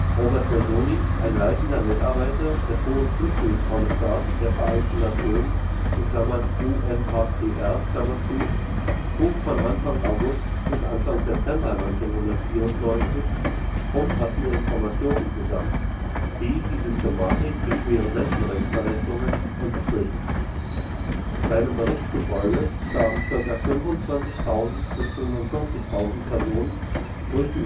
Robert Gersony, ein leitender Mitarbeiter des Hohen Flüchtlingskommissars der Vereinten Nationen (UNHCR), trug von Anfang August bis Anfang September 1994 umfassende Informationen zusammen, die die Systematik der schweren Menschenrechtsverletzungen unterstrichen. Seinem Bericht zufolge starben zirka 25.000 bis 45.000 Personen durch Menschenrechtsverletzungen